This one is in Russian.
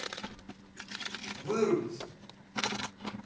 вырубиться